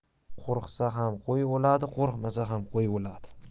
qo'rqsa ham qo'y o'ladi qo'rqmasa ham qo'y o'ladi